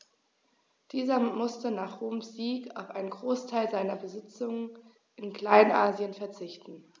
Dieser musste nach Roms Sieg auf einen Großteil seiner Besitzungen in Kleinasien verzichten.